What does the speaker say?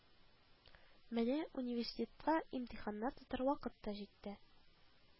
Менә университетка имтиханнар тотар вакыт та җитте